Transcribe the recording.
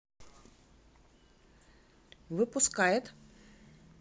выпускает